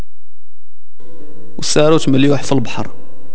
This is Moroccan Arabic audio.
وساوس ملوحه البحر